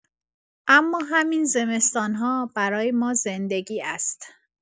اما همین زمستان‌ها برای ما زندگی است.